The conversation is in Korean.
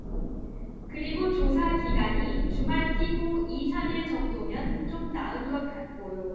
그리고 조사 기간이 주말 끼고 이 삼 일 정도면 좀 나은 것 같고요